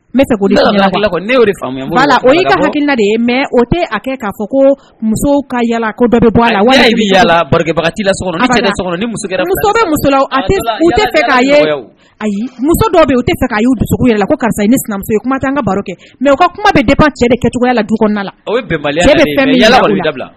Hakili de ye o tɛ kɛ muso ka ayi dɔw dusu karisa ni sinamuso ye ka baro kɛ mɛ ka kuma cɛ de kɛcogoya la du labila